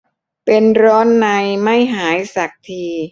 เป็นร้อนในไม่หายสักที